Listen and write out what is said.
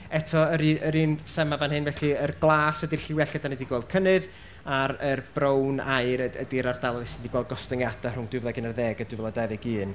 Eto, yr u- yr un thema fan hyn, felly yr glas ydy'r lliwiau lle dan ni 'di gweld cynnydd, a'r... yr brown aur y- ydy'r ardaloedd sy 'di gweld gostyngiadau rhwng dwy fil ac unarddeg a dwy fil a dau ddeg un.